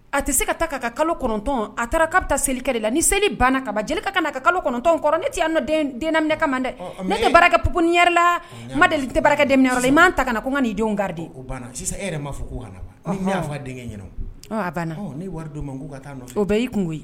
A tɛ se ka taa ka ka kalotɔn a taara' taa selikɛ la ni seli banna kaba jelikɛ ka na ka kalo kɔnɔntɔn kɔrɔ ne tɛ nɔ denminɛ kama dɛ ne barakɛk yɛrɛ la ma deli tɛ barakɛ dɛ i ma ta kana na ko ka' denw gariden o ma fɔ ko ala' banna wari taa bɛɛ i kun koyi